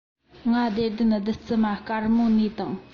ང བདེ ལྡན བདུད རྩི མ དཀར མོ ནས དང